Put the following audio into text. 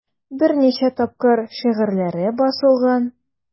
Берничә тапкыр шигырьләре басылган.